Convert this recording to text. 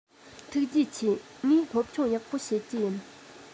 ཐུགས རྗེ ཆེ ངས སློབ སྦྱོང ཡག པོ བྱེད རྒྱུ ཡིན